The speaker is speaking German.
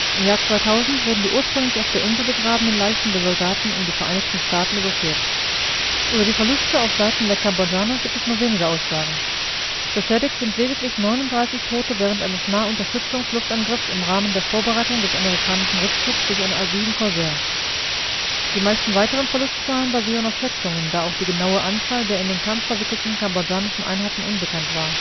Im Jahr 2000 wurden die ursprünglich auf der Insel begrabenen Leichen der Soldaten in die Vereinigten Staaten überführt. Über die Verluste auf Seiten der Kambodschaner gibt es nur wenige Aussagen. Bestätigt sind lediglich 39 Tote während eines Nahunterstützungsluftangriffs im Rahmen der Vorbereitung des amerikanischen Rückzugs durch eine A-7 Corsair. Die meisten weiteren Verlustzahlen basieren auf Schätzungen, da auch die genaue Anzahl der in den Kampf verwickelten kambodschanischen Einheiten unbekannt war